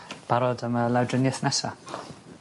barod am y lawdrinieth nesa.